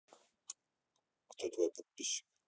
кто твой подписчик